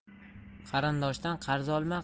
qarindoshdan qarz olma